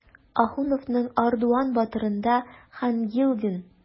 Ахуновның "Ардуан батыр"ында Хангилдин.